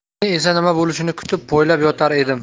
men esa nima bo'lishini kutib poylab yotar edim